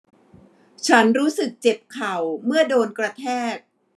ฉันรู้สึกเจ็บเข่าเมื่อโดนกระแทก